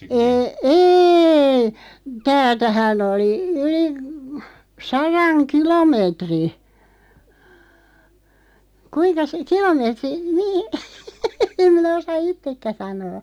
- ei täältähän oli yli sadan kilometrin kuinkas kilometri niin en minä osaa itsekään sanoa